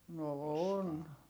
no on